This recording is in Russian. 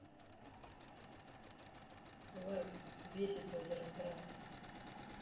лайк бесит озеро страха